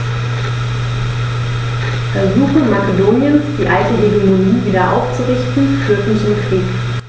Versuche Makedoniens, die alte Hegemonie wieder aufzurichten, führten zum Krieg.